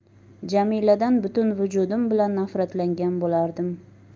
jamiladan butun vujudim bilan nafratlangan bo'lardim